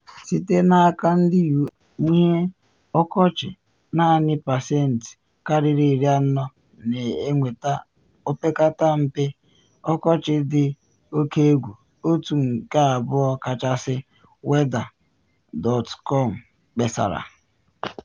Site n’aka ndị U.S. Ihe Nyocha Ọkọchị, naanị pasentị karịrị 40 na enweta opekata mpe ọkọchị dị oke egwu, otu nke abụọ kachasị,” weather.com kpesara.